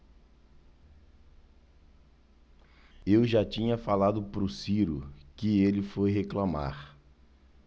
eu já tinha falado pro ciro que ele foi reclamar